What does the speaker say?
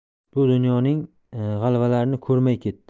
bu dunyoning g'alvalarini ko'rmay ketdi